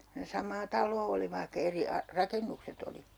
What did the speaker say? kun ne samaa taloa oli vaikka eri rakennukset oli